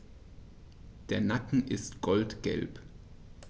Der Nacken ist goldgelb.